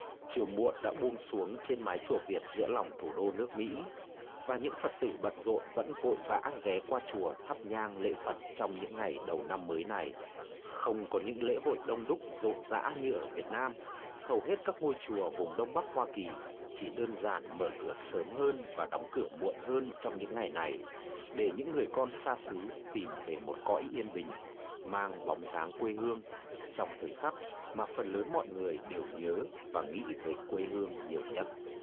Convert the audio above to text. chiều muộn đã buông xuống trên mái chùa việt giữa lòng thủ đô nước mỹ và những phật tử bận rộn vẫn vội vã ghé qua chùa thắp nhang lễ phật trong những ngày đầu năm mới này không có những lễ hội đông đúc rộn rã như ở việt nam hầu hết các ngôi chùa vùng đông bắc hoa kỳ chỉ đơn giản mở cửa sớm hơn và đóng cửa muộn hơn trong những ngày này để những người con xa xứ tìm về một cõi yên bình mang bóng dáng quê hương trong thời khắc mà phần lớn mọi người đều nhớ và nghĩ về quê hương nhiều nhất